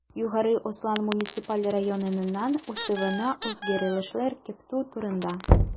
Югары Ослан муниципаль районынның Уставына үзгәрешләр кертү турында